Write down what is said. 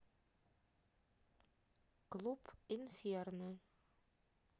клуб инферно